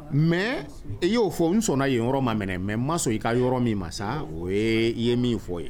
Mais i y'o fɔ n sɔnna yen yɔrɔ ma mɛnɛ mais ma sɔn i ka yɔrɔ min ma saa o yee i ye min fɔ ye